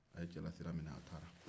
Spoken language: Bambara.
a ye cɛla sira minɛ a taara